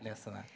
les det der!